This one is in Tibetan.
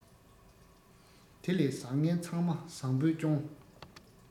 དེ ལས བཟང ངན ཚང མ བཟང པོས སྐྱོངས